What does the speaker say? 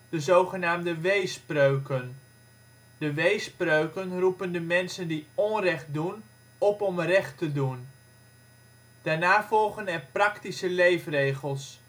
de zogenaamde weespreuken. De weespreuken roepen de mensen die onrecht doen op om recht te doen. Daarna volgen er praktische leefregels